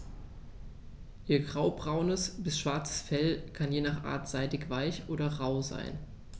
Ihr graubraunes bis schwarzes Fell kann je nach Art seidig-weich oder rau sein.